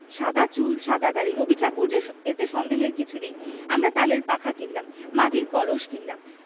সাদা চুল সাদা দাড়ি রবিঠাকুর যে এতে সন্দেহের কিছুই নেই আমরা তালের পাখা কিনলাম মার্টির কলস কিনলাম